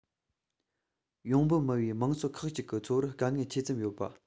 ཡོང འབབ དམའ བའི མང ཚོགས ཁག ཅིག གི འཚོ བར དཀའ ངལ ཆེ ཙམ ཡོད པ